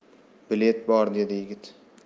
bilet bor dedi yigit